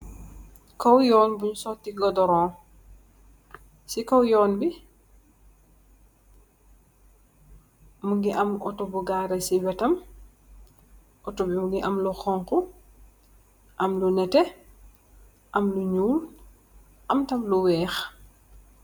Kow yoon buñg sooti goddoroñg, si kow yoon bi, mu ngi am otto bu gaaré si weetam. Otto bi muñgi am lu xoñxu, am lu nétté, am lu ñuul am tam lu weex.